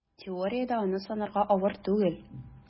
Теориядә аны санарга авыр түгел: